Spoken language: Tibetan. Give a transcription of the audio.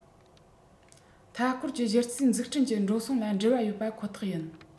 མཐའ སྐོར གྱི གཞི རྩའི འཛུགས སྐྲུན གྱི འགྲོ སོང ལ འབྲེལ བ ཡོད པ ཁོ ཐག ཡིན